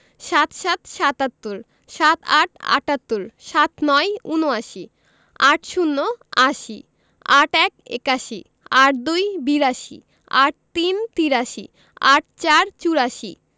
৭৭ – সাতাত্তর ৭৮ – আটাত্তর ৭৯ – উনআশি ৮০ - আশি ৮১ – একাশি ৮২ – বিরাশি ৮৩ – তিরাশি ৮৪ – চুরাশি